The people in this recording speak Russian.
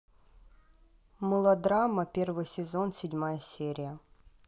мылодрама первый сезон седьмая серия